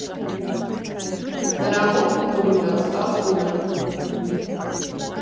Նրա մոտ, օրինակ, ստացվում է։